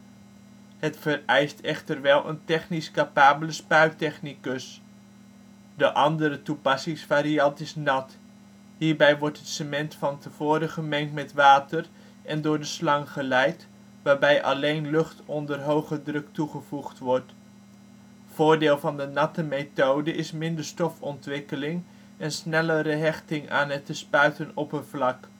het vereist echter wel een technisch capabele spuittechnicus. De andere toepassingsvariant is nat. Hierbij wordt het cement van te voren gemengd met water en door de slang geleid, waarbij alleen lucht onder hoge druk toegevoegd wordt. Voordeel van de natte methode is minder stofontwikkeling en snellere hechting aan het te spuiten oppervlak